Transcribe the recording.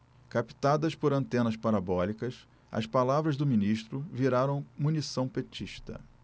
captadas por antenas parabólicas as palavras do ministro viraram munição petista